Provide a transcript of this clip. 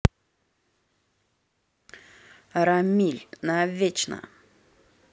рамиль навечно